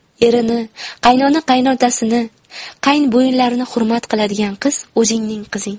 erini qaynota qaynonasini qaynbo'yinlarini hurmat qiladigan qiz o'zingning qizing